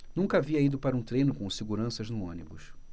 nunca havia ido para um treino com seguranças no ônibus